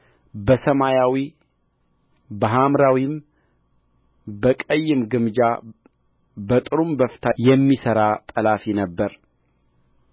በሰማያዊ በሐምራዊም በቀይም ግምጃ በጥሩም በፍታ የሚሠራ ጠላፊ ነበረ